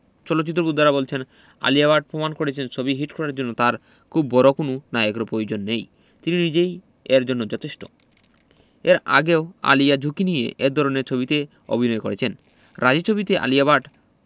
চলচ্চিত্র বোদ্ধারা বলছেন আলিয়া ভাট পমাণ করেছেন ছবি হিট করার জন্য তার খুব বড় কোনো নায়কের পয়োজন নেই তিনি নিজেই এর জন্য যথেষ্ট এর আগেও আলিয়া ঝুঁকি নিয়ে এ ধরনের ছবিতে অভিনয় করেছেন রাজী ছবিতে আলিয়া ভাট